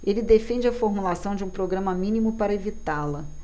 ele defende a formulação de um programa mínimo para evitá-la